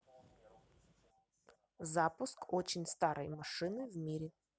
запуск очень старой машины в мире